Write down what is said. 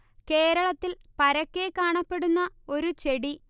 കേരളത്തിൽ പരക്കെ കാണപ്പെടുന്ന ഒരു ചെടി